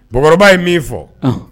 Bɔkɔrɔba ye min fɔ ɔnh